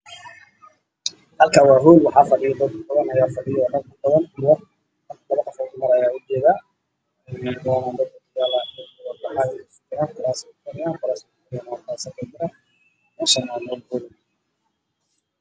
Halkaan waa hool dad badan ayaa fadhiyo